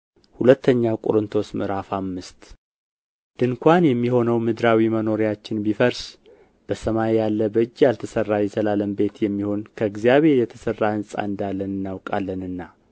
ሁለተኛ ቆሮንቶስ ምዕራፍ አምስት ድንኳን የሚሆነው ምድራዊ መኖሪያችን ቢፈርስ በሰማይ ያለ በእጅ ያልተሠራ የዘላለም ቤት የሚሆን ከእግዚአብሔር የተሠራ ሕንጻ እንዳለን እናውቃለንና